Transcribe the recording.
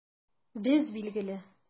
Без, билгеле!